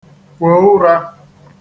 kwo ụrā